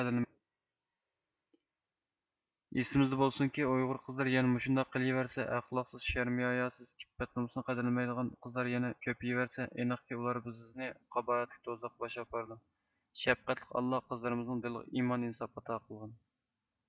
ئېسىمىزدە بولسۇنكى ئۇيغۇر قىزلىرى يەنە مۇشۇنداق قلىۋەرسە ئەخلاقسز شەرمى ھاياسۇز ئىپپەت نۇمۇسنى قەدىرلىمەيدىغان قىزلار يەنە كۆپىيۋەرسە ئىنقىكى ئۇلار بىزنى قاباھەتلىك دوزاخقا باشلاپ بارىدۇ شەپقەتلىك ئاللا قىزلىرىمزنىڭ دىلىغا ئىمان ئىنساپ ئاتا قىلغىن